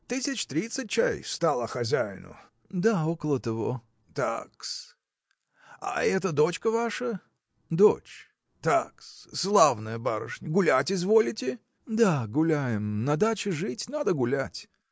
Тысяч тридцать, чай, стала хозяину. – Да, около того. – Так-с. – А это дочка ваша? – Дочь. – Так-с. Славная барышня! Гулять изволите? – Да, гуляем. На даче жить – надо гулять.